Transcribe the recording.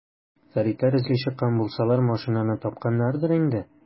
Фәритләр эзли чыккан булсалар, машинаны тапканнардыр инде.